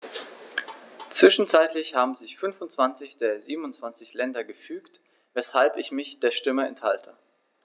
Zwischenzeitlich haben sich 25 der 27 Länder gefügt, weshalb ich mich der Stimme enthalte.